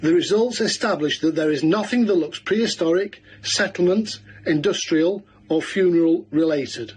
The results establish that there is nothing that looks prehistoric, settlement, industrial, or funeral-related.